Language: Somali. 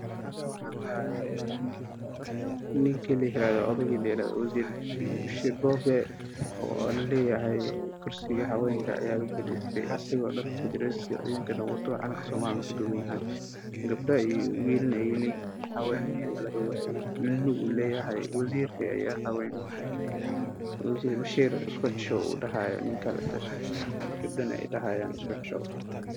Waa sawir farshaxan waa niman meel taagan oo far ku taagayo nin boorso wata